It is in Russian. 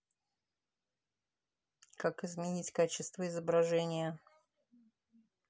как изменить качество изображения